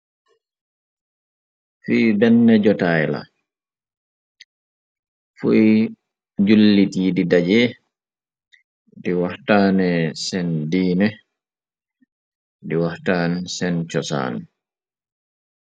Fu benn jotaay la fuy jullit yi di daje di waxtaane seen diine di waxtaane seen cosaan.